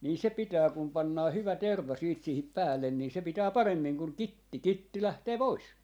niin se pitää kun pannaan hyvä terva sitten siihen päälle niin se pitää paremmin kuin kitti kitti lähtee pois